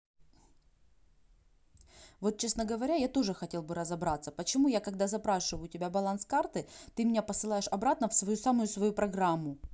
вот честно говоря я тоже хотел бы разобраться почему я когда запрашиваю у тебя баланс карты ты меня посылаешь обратно в свою самую свою программу